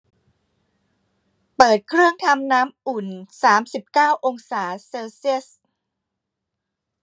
เปิดเครื่องทำน้ำอุ่นสามสิบเก้าองศาเซลเซียส